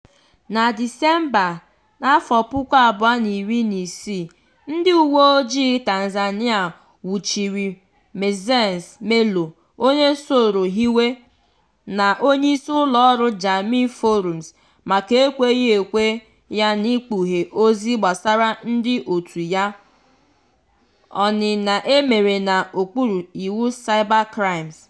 Na Disemba 2016, ndị uweojii Tanzania nwụchiri Maxence Melo, onye soro hiwe, na onyeisi ụlọọrụ Jamii Forums, maka ekweghị ekwe ya n'ikpughe ozi gbasara ndị òtù ya, ọnịna e mere n'okpuru Iwu Cybercrimes.